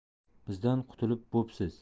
bizdan qutulib bo'psiz